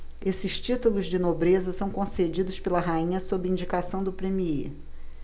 esses títulos de nobreza são concedidos pela rainha sob indicação do premiê